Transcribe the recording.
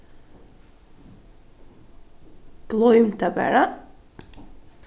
gloym tað bara